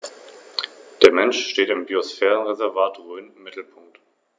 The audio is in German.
Neben den drei staatlichen Verwaltungsstellen des Biosphärenreservates gibt es für jedes Bundesland einen privaten Trägerverein.